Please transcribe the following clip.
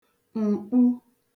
m̀kpu